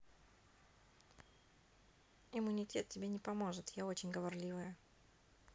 иммунитет тебе не поможет я очень говорливая